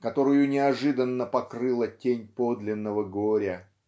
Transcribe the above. которую неожиданно покрыла тень подлинного горя!